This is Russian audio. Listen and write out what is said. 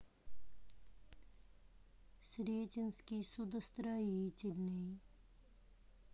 сретенский судостроительный